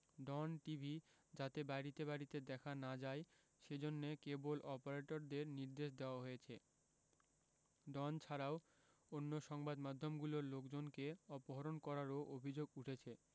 ডন TV যাতে বাড়িতে বাড়িতে দেখা না যায় সেজন্যে কেবল অপারেটরদের নির্দেশ দেওয়া হয়েছে ডন ছাড়াও অন্য সংবাদ মাধ্যমগুলোর লোকজনকে অপহরণ করারও অভিযোগ উঠেছে